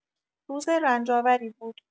روز رنج‌آوری بود.